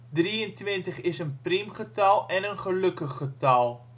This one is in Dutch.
Drieëntwintig is: een priemgetal. een gelukkig getal